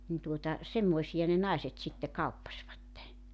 niin tuota semmoisia ne naiset sitten kauppasivat